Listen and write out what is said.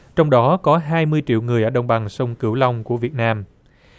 trong đó có hai mươi triệu người ở đồng bằng sông cửu long của việt nam